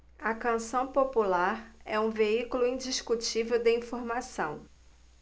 a canção popular é um veículo indiscutível de informação